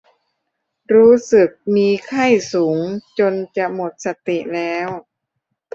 รู้สึกมีไข้สูงจนจะหมดสติแล้ว